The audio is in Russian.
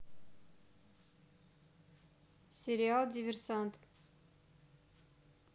сериал диверсант